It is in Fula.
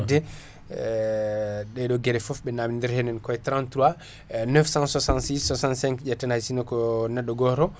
ɗeɗo gueɗe foof ɓe namdi nder henna koy 3396665 ƴetten hay sinno ko nedɗo goto